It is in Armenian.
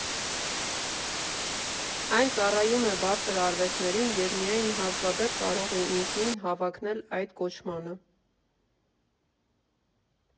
Այն ծառայում է բարձր արվեստներին և միայն հազվադեպ կարող է ինքնին հավակնել այդ կոչմանը։